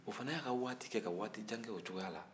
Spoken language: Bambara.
o fana y'a ka waati kɛ ka waati jan kɛ o cogoya la